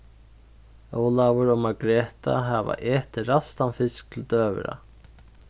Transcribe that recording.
ólavur og margreta hava etið ræstan fisk til døgurða